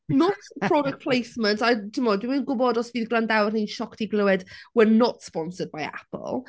not product placement a timod dwi'm yn gwybod os bydd gwrandawyr ni'n shocked i glywed we're not sponsored by Apple.